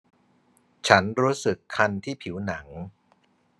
ฉันรู้สึกคันที่ผิวหนัง